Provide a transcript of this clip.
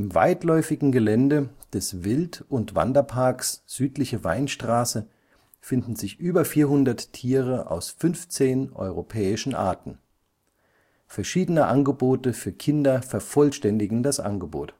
weitläufigen Gelände des Wild - und Wanderparks Südliche Weinstraße finden sich über 400 Tiere aus 15 europäischen Arten; verschiedene Angebote für Kinder vervollständigen das Angebot